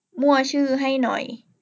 มั่วชื่อให้หน่อย